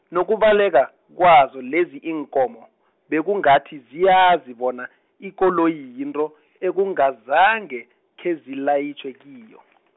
nokubaleka, kwazo lezi iinkomo, bekungathi ziyazi bona, ikoloyi yinto, ekungazange, khezilayitjhwe kiyo.